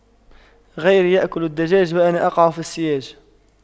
غيري يأكل الدجاج وأنا أقع في السياج